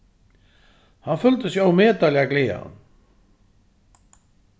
hann føldi seg ómetaliga glaðan